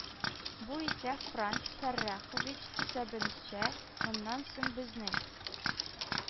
Бу исә, франц фәррәхович исәбенчә, моннан соң безнең